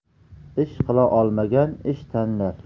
ish qila olmagan ish tanlar